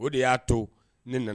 O de y'a to ne nana